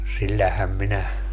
sillähän minä